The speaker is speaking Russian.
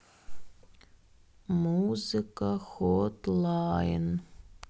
музыка хот лайн